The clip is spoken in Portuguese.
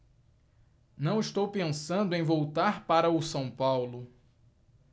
não estou pensando em voltar para o são paulo